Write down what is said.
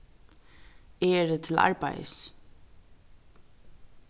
eg eri til arbeiðis